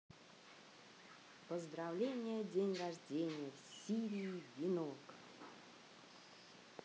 поздравление день рождения в сирии венок